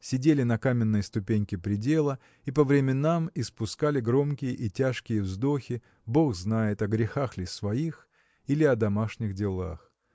сидели на каменной ступеньке придела и по временам испускали громкие и тяжкие вздохи бог знает о грехах ли своих или о домашних делах.